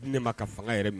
Ne ma ka fanga yɛrɛ minɛ